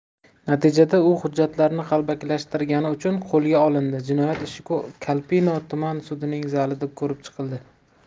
natijada u hujjatlarni qalbakilashtirgani uchun qo'lga olindi jinoyat ishi kolpino tuman sudining zalida ko'rib chiqiladi